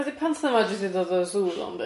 Oedd y pantha ma jyst di dod o'r sŵ ddo yndi?